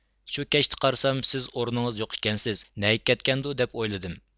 شۇ كەچتە قارىسام سىز ئورنىڭىزدا يوق ئىكەنسىز نەگ كەتكەندۇ دەپ ئويلىدىم